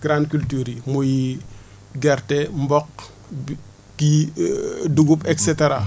grandes cultures yi muy gerte mboq kii dugub et cetera